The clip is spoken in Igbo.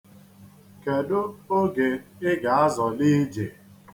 Kedụ oge ị ga-azọli ije?